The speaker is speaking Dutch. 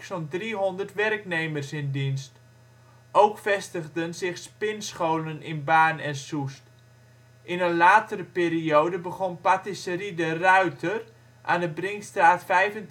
driehonderd werknemers in dienst. Ook vestigden zich spinscholen in Baarn en Soest. In een latere periode begon patisserie De Ruyter aan de Brinkstraat 25-27